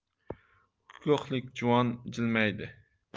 ko'hlik juvon jilmaydi